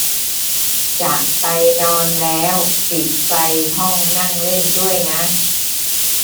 จะไปนอนแล้วปิดไฟห้องนั่งเล่นด้วยนะ